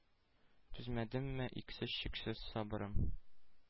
Түзмәдемме... иксез-чиксез сабрым